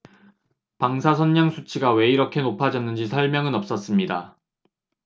방사선량 수치가 왜 이렇게 높아졌는지 설명은 없었습니다